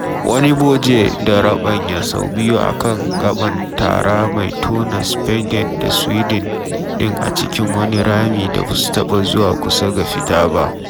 Wani bogey da ruɓanya sau biyu a kan gaban tara mai tona Spaniard da Swede din a cikin wani rami da ba su taɓa zuwa kusa ga fita ba.